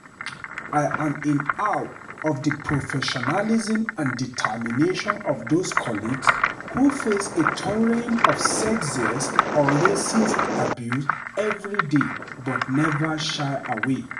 I am in awe of the professionalism and determination of those colleagues who face a torrent of sexist or racist abuse every day but never shy away.